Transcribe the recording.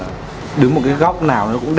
đứng một cái góc nào nó cũng